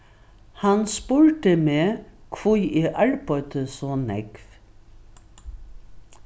hann spurdi meg hví eg arbeiddi so nógv